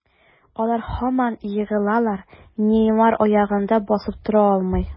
Алар һаман егылалар, Неймар аягында басып тора алмый.